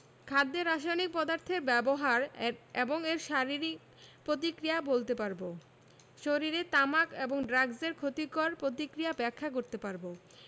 ⦁ খাদ্যে রাসায়নিক পদার্থের ব্যবহার এবং এর শারীরিক প্রতিক্রিয়া বলতে পারব ⦁ শরীরে তামাক ও ড্রাগসের ক্ষতিকর প্রতিক্রিয়া ব্যাখ্যা করতে পারব